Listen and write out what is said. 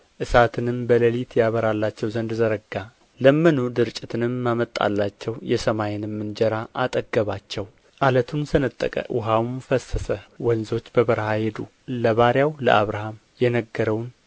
እሳትንም በሌሊት ያበራላቸው ዘንድ ዘረጋ ለመኑ ድርጭትንም አመጣላቸው የሰማይንም እንጀራ አጠገባቸው ዓለቱን ሰነጠቀ ውኃውም ፈሰሰ ወንዞች በበረሃ ሄዱ ለባሪያው ለአብርሃም የነገረውን